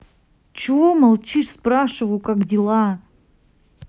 чего молчишь спрашиваю как дела